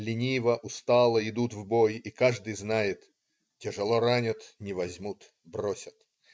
Лениво, устало идут в бой, и каждый знает: тяжело ранят - не возьмут, бросят.